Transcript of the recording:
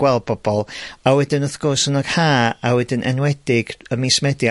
gweld pobol. A wedyn, wrth gwrs, yn yr ha' a wedyn, enwedig ym mis Medi a